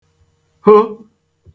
ho